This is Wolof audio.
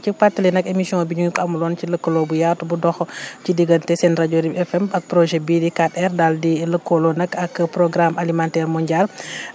cib pàttali nag émission bi ñu ngi ko amaloon ci lëkkaloo bu yaatu bu dox ci diggante seen rajo RIP FM ak projet bii di 4R daal di lëkkaloo nag ak programme alimentaire mondial